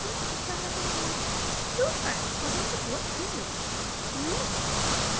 Wyt ti'n barod? No offence ma' fe'n edrych lot hŷn 'na ti. Lot hŷn.